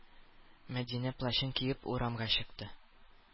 Мәдинә плащын киеп урамга чыкты.